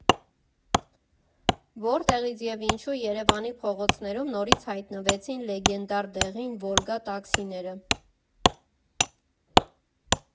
Որտեղից և ինչու Երևանի փողոցներում նորից հայտնվեցին լեգենդար դեղին վոլգա տաքսիները։